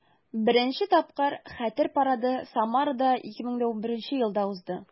Беренче тапкыр Хәтер парады Самарада 2011 елда узды.